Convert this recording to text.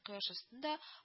Кояш астында